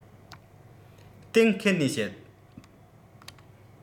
གཏན འཁེལ ནས བཤད